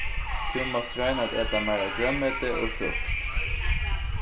tú mást royna at eta meira grønmeti og frukt